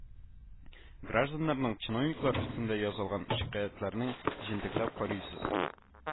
Гражданнарның чиновниклар өстеннән язылган шикаятьләрен җентекләп карыйсыз